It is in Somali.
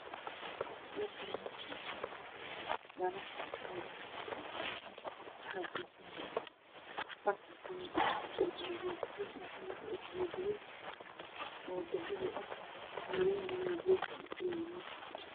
Meeshaan waa meel dhalo ah waxaa yaalo saxan qalin ah waxaa dulsaaran bac. Rootiyana way agyaalaan oo dahabi ah.